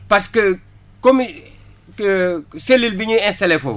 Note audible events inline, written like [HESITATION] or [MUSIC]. parce que comme [HESITATION] cellule bi ñuy installé foofu